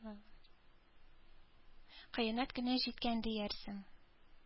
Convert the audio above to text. Кыямәт көне җиткән диярсең.